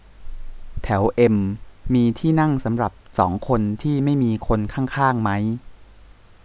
แถวเอ็มมีที่นั่งสำหรับสองคนที่ไม่มีคนข้างข้างมั้ย